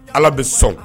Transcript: Ala bɛ sɔn